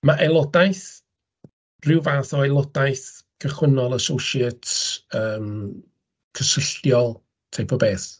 Ma' aelodaeth, ryw fath o aelodaeth cychwynnol, associate, yym, cysylltiol, teip o beth.